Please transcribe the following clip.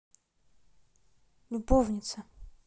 любовница